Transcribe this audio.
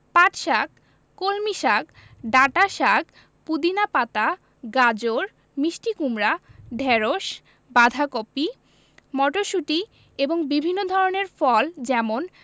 পাটশাক কলমিশাক ডাঁটাশাক পুদিনা পাতা গাজর মিষ্টি কুমড়া ঢেঁড়স বাঁধাকপি মটরশুঁটি এবং বিভিন্ন ধরনের ফল যেমন